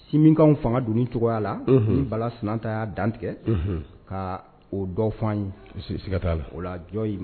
Si min ka fanga don cogoya la bala sinata y'a dantigɛ ka oo dɔwfansikata o lajɔ